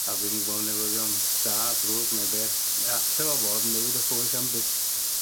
A dwi'm yn gwbod newyddion da drwg ne' be'. Alle fo fod yn newid 'ych bywy chi am byth.